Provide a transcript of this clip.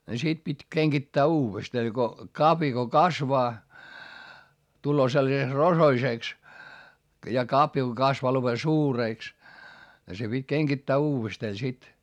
niin sitten piti kengittää uudestaan niin kun kavio kun kasvaa tulee sellaiseksi rosoiseksi ja kavio kun kasvaa lopen suureksi se piti kengittää uudestaan sitten